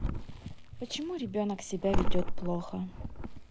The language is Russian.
почему ребенок себя ведет плохо